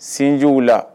Sinjw u la